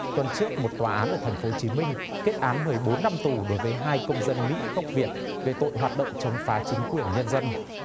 tuần trước một tòa án ở thành phố chí minh kết án mười bốn năm tù đối với hai công dân mỹ gốc việt về tội hoạt động chống phá chính quyền nhân dân